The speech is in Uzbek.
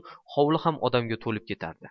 hovli ham odamga to'lib ketardi